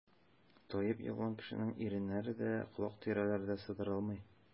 Таеп егылган кешенең иреннәре дә, колак тирәләре дә сыдырылмый.